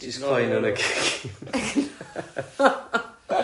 Jyst cloi nhw yn y gegin?